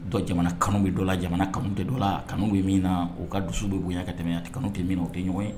Dɔ jamana kanu bɛ dɔ la jamana kanu tɛ dɔ la kanu ye min na u ka dusu bɛ bonya ka tɛmɛ a tɛ kanute min o tɛ ɲɔgɔn ye